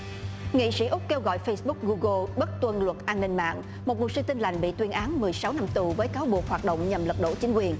nghị sĩ úc kêu gọi phây búc gu gồ bức tuần luật an ninh mạng một mục sư tin lành bị tuyên án mười sáu năm tù với cáo buộc hoạt động nhằm lật đổ chính quyền